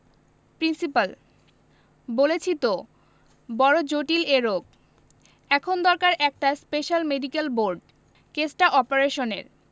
principal বলেছি তো বড় জটিল এ রোগ এখন দরকার একটা স্পেশাল মেডিকেল বোর্ড কেসটা অপারেশনের